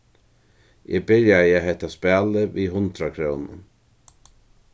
eg byrjaði hetta spælið við hundrað krónum